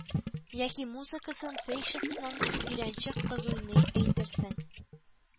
Яки музыкасын Фрейшицның Өйрәнчек кыз уйный, әйтерсең